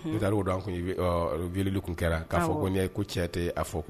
Rwlilu tun kɛra k'a fɔ ko n ye ko cɛ tɛ a fɔ ko